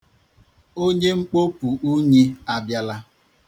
Onye mkpopu unyi abịala.